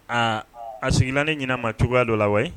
Aa a sigina ne ɲɛna ma cogoyaya dɔ la wa